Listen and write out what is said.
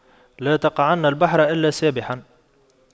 لا تقعن البحر إلا سابحا